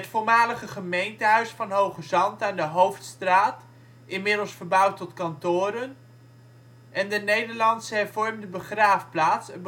voormalige gemeentehuis van Hoogezand aan de Hoofdstraat, inmiddels verbouwd tot kantoren. De Nederlands Hervormde begraafplaats